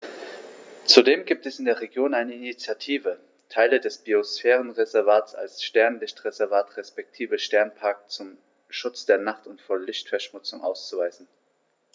Zudem gibt es in der Region eine Initiative, Teile des Biosphärenreservats als Sternenlicht-Reservat respektive Sternenpark zum Schutz der Nacht und vor Lichtverschmutzung auszuweisen.